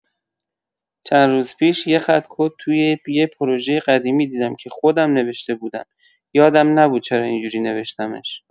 چند روز پیش یه خط کد توی یه پروژۀ قدیمی دیدم که خودم نوشته بودم، یادم نبود چرا اینجوری نوشتمش.